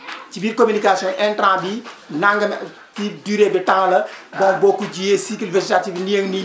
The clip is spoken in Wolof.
ci biir communication intrant bii nangami kii durée de temps la bon boo ko jiyee cycle de charte bi nii ak nii